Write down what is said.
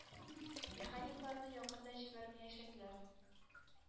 Механикларны якын да җибәрмәячәкләр.